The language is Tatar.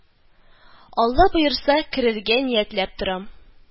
Алла боерса, керергә ниятләп торам